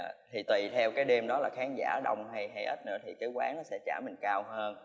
thì tùy theo cái đêm đó khán giả đông hay ít nữa thì cái quán đó nó sẽ trả mình cao hơn